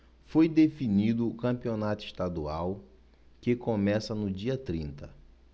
foi definido o campeonato estadual que começa no dia trinta